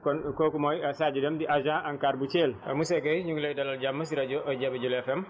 kon kooku mooy Sadio Deme di agent ANCAR bu Thiel monsieur Guèye ñu ngi lay dalal jàmm si rajo Jabi Jula FM